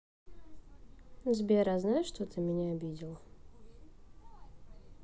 сбер а знаешь что ты меня обидел